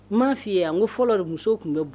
N m'a f'i ye a n ko fɔlɔ de muso tun bɛ bɔ